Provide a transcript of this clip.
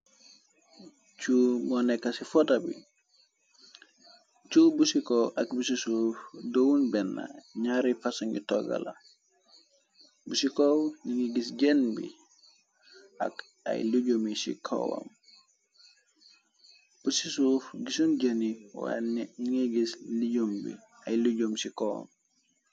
Chuu mo nekka ci fota bi chu busikow ak bisi suuf dëwun benn ñaari fasa ngi toggala busi kow libusi suu gisun jëni wa ningi gis lijom bi ay lujom ci kowam.